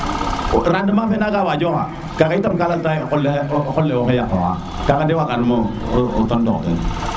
rendement fe nanga wadio xa itam ka lal taye o qol le wo xay yaqoxa kaga de waga numo tontox teen